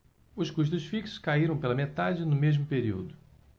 os custos fixos caíram pela metade no mesmo período